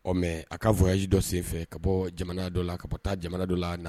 Ɔ mais a ka voyage dɔ sen fɛ ka bɔ jamana dɔ la ka taa jamana dɔ la na